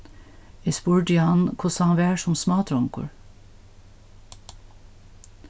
eg spurdi hann hvussu hann var sum smádrongur